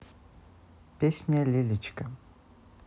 песня лялечка